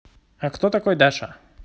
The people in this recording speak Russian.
а кто такой даша